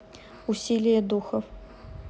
усилие духов